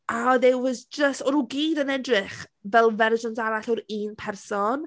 A there was just, o'n nhw gyd yn edrych, fel fersiwns arall o'r un person.